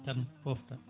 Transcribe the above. tan pofta